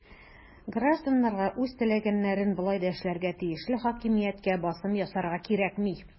Гражданнарга үз теләгәннәрен болай да эшләргә тиешле хакимияткә басым ясарга кирәкми.